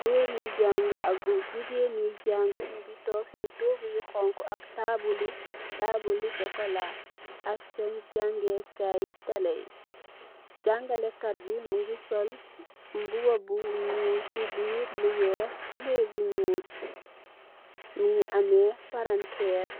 goor yuy jange ak jegain yuy jange nuge tonke sen toogu yu xonxo ak taabule taabule sukola ak sen jangekay tele ye jangelekat be muge sol muba bu nuul se birr lu weex tubaye bu nuul muge ameh palanterr.